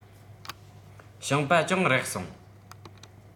ཞིང པ གྱོང རག སོང